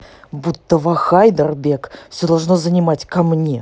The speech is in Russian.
будто во хайдарбек все должно занимать ка мне